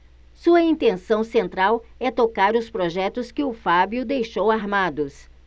sua intenção central é tocar os projetos que o fábio deixou armados